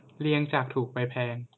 เรียงจากถูกไปแพง